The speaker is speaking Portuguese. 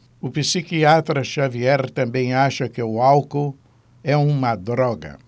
o psiquiatra dartiu xavier também acha que o álcool é uma droga